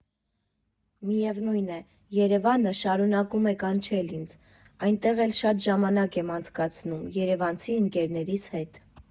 Միևնույն է, Երևանը շարունակում է կանչել ինձ, այնտեղ էլ շատ ժամանակ եմ անցկացնում երևանցի ընկերներիս հետ։